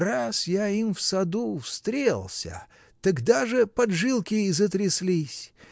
Раз я им в саду встрелся, -- так даже поджилки затряслись